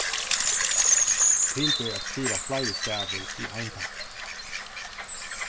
til ber at skriva fleiri stavir í ein teig